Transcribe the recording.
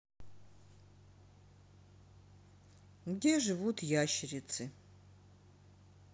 где живут ящерицы